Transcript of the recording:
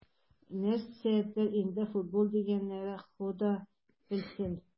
Нәрсәдер инде "футбол" дигәннәре, Хода белсен...